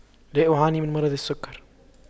لا أعاني من مرض السكر